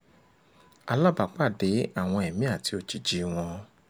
Àlábàápàdé àwọn ẹ̀mí àti òjìjíi wọn